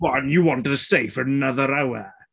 What? And you wanted to stay for another hour?